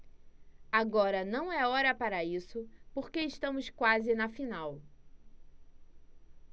agora não é hora para isso porque estamos quase na final